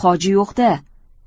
hoji yo'q da